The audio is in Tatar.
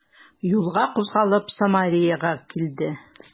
Юлга кузгалып, Самареяга килде.